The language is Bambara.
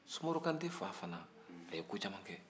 sumaworo kantɛ fa fana a ye ko caman kɛ